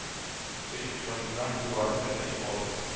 Өч очрашуда нибары бер очко алып,